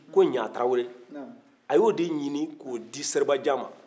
ko ɲa taarawele a y'o de ɲini ko di seribajan ma